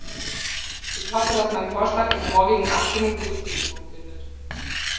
Ich hoffe, dass mein Vorschlag in der morgigen Abstimmung Berücksichtigung findet.